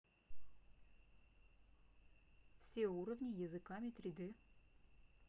все уровни языками 3d